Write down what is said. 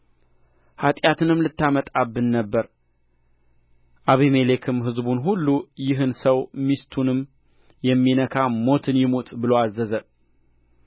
ኃጢአትንም ልታመጣብን ነበር አቢሜሌክም ሕዝቡን ሁሉ ይህን ሰው ሚስቱንም የሚነካ ሞትን ይሙት ብሎ አዘዘ